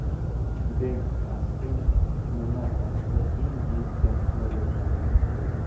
ben askren mma tarixidagi eng buyuk jangchilar ro'yxatini tuzdi